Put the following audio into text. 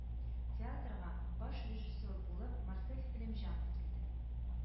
Театрга баш режиссер булып марсель сәлимҗанов килде